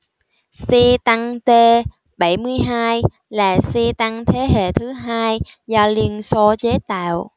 xe tăng t bảy mươi hai là xe tăng thế hệ thứ hai do liên xô chế tạo